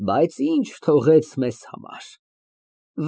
Բայց ի՞նչ թողեց մեզ համար։